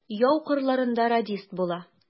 Яу кырларында радист була.